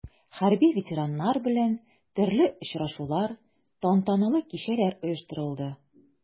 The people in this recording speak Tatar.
Хәрби ветераннар белән төрле очрашулар, тантаналы кичәләр оештырылды.